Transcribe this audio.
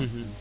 `